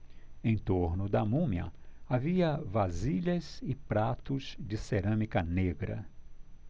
em torno da múmia havia vasilhas e pratos de cerâmica negra